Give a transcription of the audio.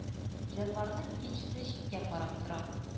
Җанварның икенчесе читкә карап тора